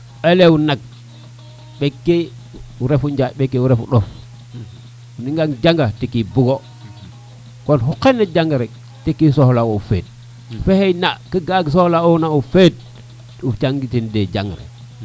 elew mbek ke o refo njaƴ mbelke o refo ndof ona janga teki bugo kon oxe na janga rek teki soxla u o feet faxey nak kaga soxla ona o feet o jang de jang